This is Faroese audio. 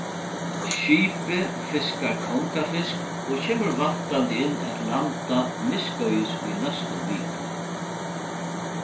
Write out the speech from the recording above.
skipið fiskar kongafisk og kemur væntandi inn at landa miðskeiðis í næstu viku